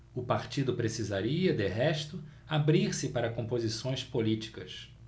o partido precisaria de resto abrir-se para composições políticas